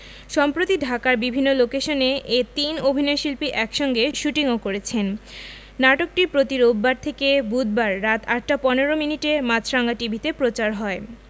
সম্প্রতি ঢাকার বিভিন্ন লোকেশনে এ তিন অভিনয়শিল্পী একসঙ্গে শুটিংও করেছেন নাটকটি প্রতি রোববার থেকে বুধবার রাত ৮টা ১৫ মিনিটে মাছরাঙা টিভিতে প্রচার হয়